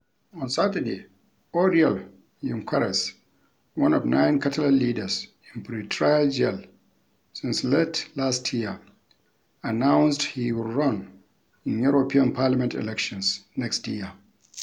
On Saturday, Oriol Junqueras, one of nine Catalan leaders in pre-trial jail since late last year, announced he would run in European Parliament elections next year.